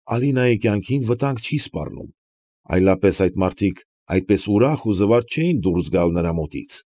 Ալինայի կյանքին վտանգ չի սպառնում, այլապես այդ մարդիկ այդպես ուրախ ու զվարթ չէին դուրս գալ նրա մոտից։